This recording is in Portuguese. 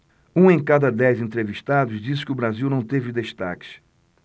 um em cada dez entrevistados disse que o brasil não teve destaques